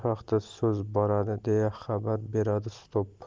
haqda so'z boradi deya xabar beradi spot